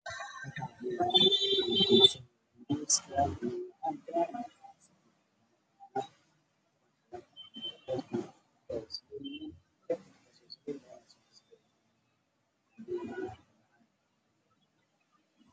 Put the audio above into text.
Waa shukulaato midabkeedu yahay pinki